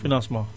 financement